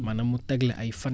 maanaam tegle ay fan